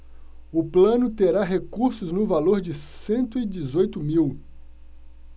o plano terá recursos no valor de cento e dezoito mil